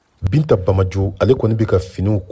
binta bamajo ale kɔni bɛ ka finiw ko